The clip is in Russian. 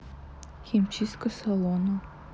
химчистка салона